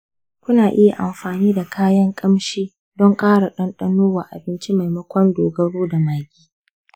kuna iya amfani da kayan ƙamshi don ƙara ɗanɗano wa abinci maimakon dogaro da maggi.